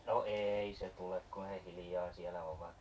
no ei se tule kun he hiljaa siellä ovat